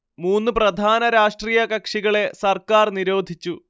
മൂന്ന് പ്രധാന രാഷ്ട്രീയ കക്ഷികളെ സർക്കാർ നിരോധിച്ചു